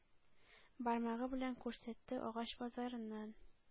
Бармагы белән күрсәтте,- агач базарыннан